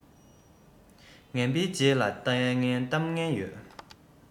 ངན པའི རྗེས ལ ལྟས ངན གཏམ ངན ཡོད